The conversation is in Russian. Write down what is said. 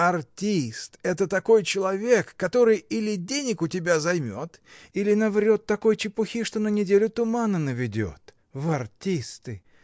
— Артист — это такой человек, который или денег у тебя займет, или наврет такой чепухи, что на неделю тумана наведет. В артисты!.